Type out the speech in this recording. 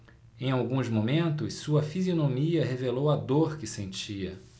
em alguns momentos sua fisionomia revelou a dor que sentia